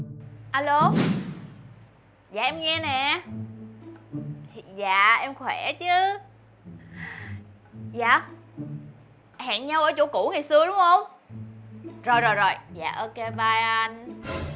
a lô dạ em nghe nè dạ em khỏe chứ giá hẹn nhau ở chỗ cũ ngày xưa đúng không rồi rồi rồidạ ô kê bai anh